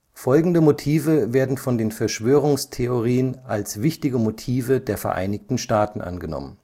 Folgende Motive werden von den Verschwörungstheorien als wichtige Motive der Vereinigten Staaten angenommen